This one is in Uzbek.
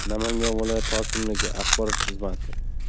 namangan viloyat hokimligi axborot xizmati